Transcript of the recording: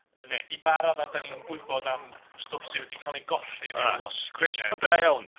..neu i ba raddau dan ni'n gwybod am stwff sy wedi cael ei golli neu'i losgi neu?... Cwestiwn da iawn.